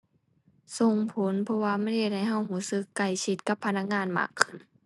ส่งผล เพราะว่ามันเฮ็ดให้เราเราสึกใกล้ชิดกับพนักงานมากขึ้น